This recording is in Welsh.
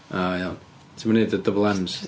O iawn, ti'm yn wneud y Double Ms.